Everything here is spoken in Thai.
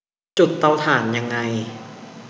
จุดเตาถ่านยังไง